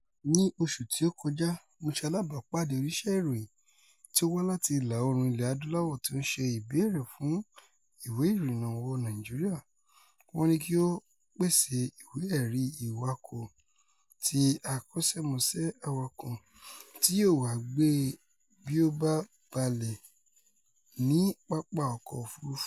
Ní oṣù ti ó kojá, mo ṣe alábàápàdé oníṣẹ́-ìròyìn tí ó wá láti Ìlà-oòrùn Ilẹ̀-adúláwọ̀ tí ó ń ṣe ìbéèrè fún ìwé ìrìnnà wọ Nàìjíríà. Wọ́n ní kí ó pèsèe ìwé-ẹ̀rí ìwákọ̀ọ ti akọ́ṣẹ́mọṣẹ́ awakọ̀ tí yóò wá gbé e bí ó bá balẹ̀ ní pápá-ọkọ̀-òfuurufú!